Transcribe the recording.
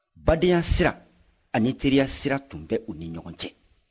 badenya sira ani teriya sira tun bɛ u ni ɲɔgɔn cɛ